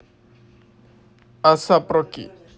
асап роки